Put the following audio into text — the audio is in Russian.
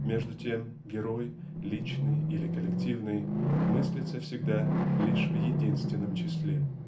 между тем герой -- личный или коллективный -- мыслится всегда лишь в единственном числе.